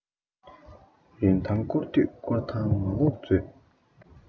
རིན ཐང སྐོར དུས སྐོར ཐང མ ལོག མཛོད